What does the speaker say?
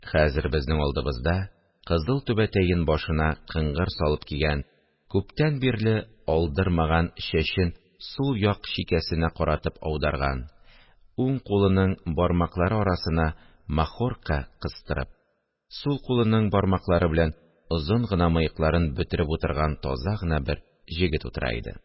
Хәзер безнең алдыбызда кызыл түбәтәен башына кыңгыр салып кигән, күптән бирле алдырмаган чәчен сул як чигәсенә каратып аударган, уң кулының бармаклары арасына махорка [кыстырып], сул кулының бармаклары белән озын гына мыекларын бөтереп утырган таза гына бер җегет утыра иде